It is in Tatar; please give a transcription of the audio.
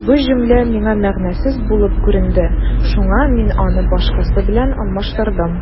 Бу җөмлә миңа мәгънәсез булып күренде, шуңа мин аны башкасы белән алмаштырдым.